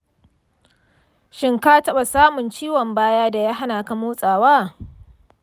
shin ka taba samun ciwon bayan daya hanaka motsawa?